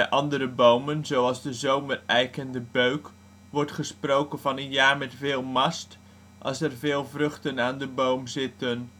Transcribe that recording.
andere bomen, zoals de zomereik en de beuk wordt gesproken van een jaar met veel mast als er veel vruchten aan de boom zitten